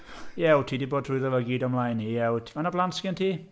Ie wyt 'di bod drwyddo fo i gyd o fy mlaen i, ie wyt. Faint o blant sgen ti?